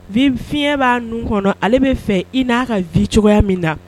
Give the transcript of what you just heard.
V fi fiɲɛyɛn b'a ninnu kɔnɔ ale bɛ fɛ i n'a ka vi cogoya min na